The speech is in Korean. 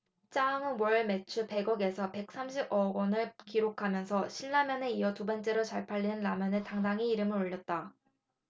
짜왕은 월 매출 백 억 에서 백 삼십 억원을 기록하면서 신라면에 이어 두번째로 잘 팔리는 라면에 당당히 이름을 올렸다